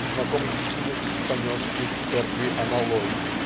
Знакомый текинец понес из церкви аналой.